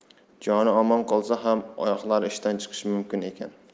joni omon qolsa ham oyoqlari ishdan chiqishi mumkin ekan